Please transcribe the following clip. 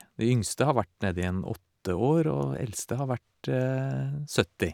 De yngste har vært nede i en åtte år og eldste har vært sytti.